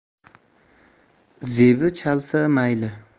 zebi chalsa mayli